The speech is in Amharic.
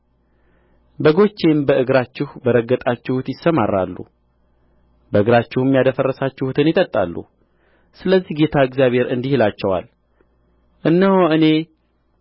በጎቼም በእግራችሁ በረገጣችሁት ይሰማራሉ በእግራችሁም ያደፈረሳችሁትን ይጠጣሉ ስለዚህ ጌታ እግዚአብሔር እንዲህ ይላቸዋል እነሆ እኔ